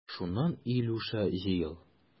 Шуннан, Илюша, җыел.